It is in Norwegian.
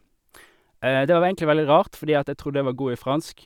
Det var egentlig veldig rart, fordi at jeg trodde jeg var god i fransk.